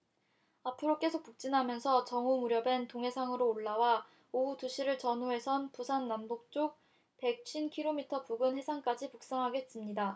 앞으로 계속 북진하면서 정오 무렵엔 동해상으로 올라와 오후 두 시를 전후해선 부산 남동쪽 백 쉰 킬로미터 부근 해상까지 북상하겠습니다